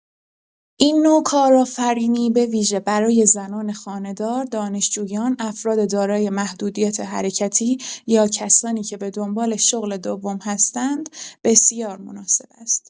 این نوع کارآفرینی به‌ویژه برای زنان خانه‌دار، دانشجویان، افراد دارای محدودیت حرکتی یا کسانی که به دنبال شغل دوم هستند، بسیار مناسب است.